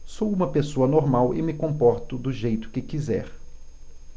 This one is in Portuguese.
sou homossexual e me comporto do jeito que quiser